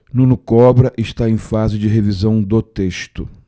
nuno cobra está em fase de revisão do texto